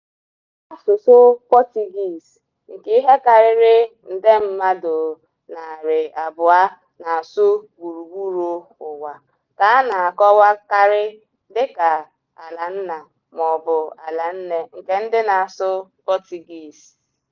Asụsụ Portuguese, nke ihe karịrị nde mmadụ 200 na-asụ gburugburu ụwa, ka a na-akọwakarị dị ka "ala nna" maọbụ "ala nne" nke ndị na-asụ Portuguese.